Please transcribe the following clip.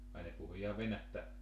ai ne puhui ihan venäjää